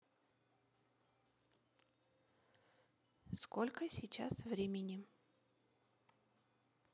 сколько сейчас времени